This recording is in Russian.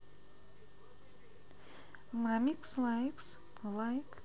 мамикс лайк